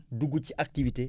dugg ci activité